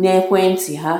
n'ekwentị ha.